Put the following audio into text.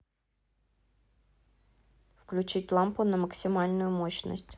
включить лампу на максимальную мощность